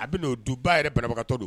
A ben'o du ba yɛrɛ banabagatɔ don